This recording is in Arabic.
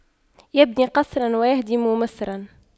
يبني قصراً ويهدم مصراً